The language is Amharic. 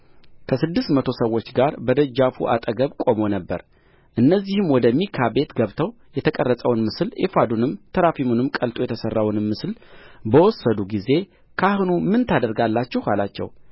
ከስድስት መቶ ሰዎች ጋር በደጃፉ አጠገብ ቆሞ ነበር እነዚህም ወደ ሚካ ቤት ገብተው የተቀረጸውን ምስል ኤፉዱንም ተራፊሙንም ቀልጦ የተሠራውን ምስልም በወሰዱ ጊዜ ካህኑ ምን ታደርጋላችሁ አላቸው